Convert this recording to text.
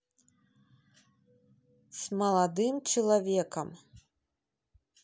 с молодым человеком